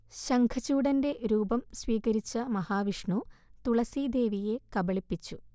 ശംഖചൂഢന്റെ രൂപം സ്വീകരിച്ച മഹാവിഷ്ണു തുളസീദേവിയെ കബളിപ്പിച്ചു